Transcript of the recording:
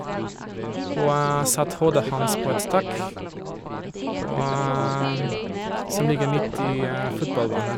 Og satt hodet hans på et stokk og som ligger midt i fotballbanen.